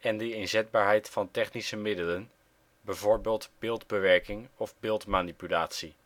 de inzetbaarheid van technische middelen (bijvoorbeeld beeldbewerking/beeldmanipulatie